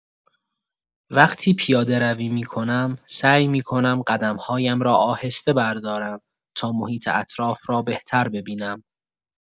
وقتی پیاده‌روی می‌کنم، سعی می‌کنم قدم‌هایم را آهسته بردارم تا محیط اطراف را بهتر ببینم.